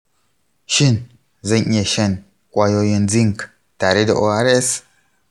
shin zan iya shan ƙwayoyin zinc tare da ors?